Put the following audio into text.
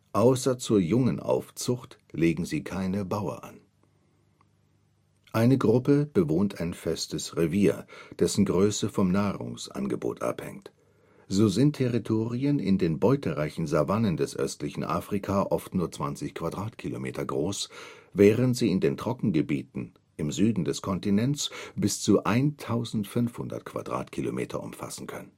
Außer zur Jungenaufzucht legen sie keine Baue an. Eine Gruppe bewohnt ein festes Revier, dessen Größe vom Nahrungsangebot abhängt. So sind Territorien in den beutereichen Savannen des östlichen Afrika oft nur 20 km² groß, während sie in den Trockengebieten im Süden des Kontinents bis zu 1500 km² umfassen können